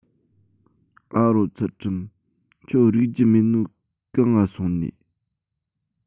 ཨ རོ ཚུལ ཁྲིམས ཁྱོད རིག རྒྱུ མེད ནོ གད ང སོང ནིས